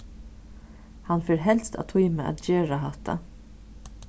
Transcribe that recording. hann fer helst at tíma at gera hatta